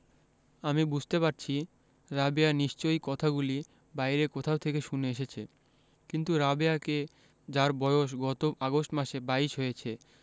আমি বুঝতে পারছি রাবেয়া নিশ্চয়ই কথাগুলি বাইরে কোথাও শুনে এসেছে কিন্তু রাবেয়াকে যার বয়স গত আগস্ট মাসে বাইশ হয়েছে